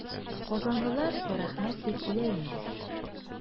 Казанлылар Карәхмәт дип үлә инде.